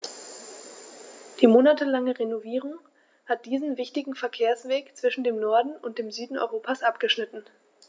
Die monatelange Renovierung hat diesen wichtigen Verkehrsweg zwischen dem Norden und dem Süden Europas abgeschnitten.